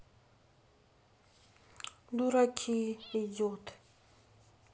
дураки идет